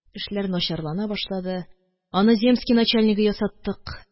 Эшләр начарлана башлады. Аны земский начальнигы ясаттык..